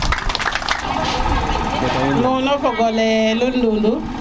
nuno fogo le lul nɗundur